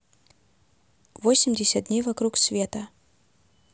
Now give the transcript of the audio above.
восемьдесят дней вокруг света